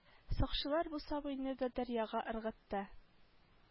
Сакчылар бу сабыйны да дәрьяга ыргытты